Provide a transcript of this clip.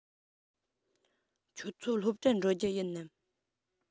ཁྱོད ཚོ སློབ གྲྭར འགྲོ རྒྱུ ཡིན ནམ